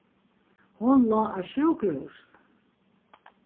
hon lá á sjúkrahúsinum